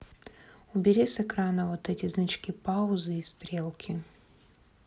убери с экрана вот эти значки паузы и стрелки